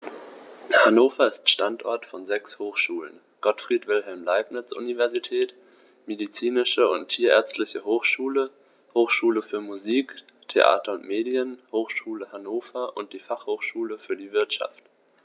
Hannover ist Standort von sechs Hochschulen: Gottfried Wilhelm Leibniz Universität, Medizinische und Tierärztliche Hochschule, Hochschule für Musik, Theater und Medien, Hochschule Hannover und die Fachhochschule für die Wirtschaft.